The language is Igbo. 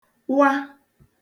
wa